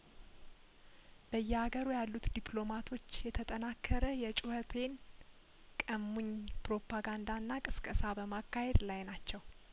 በየአገሩ ያሉት ዲፕሎማቶች የተጠናከረ የጩኸቴን ቀሙኝ ፕሮፓጋንዳና ቅስቀሳ በማካሄድ ላይ ናቸው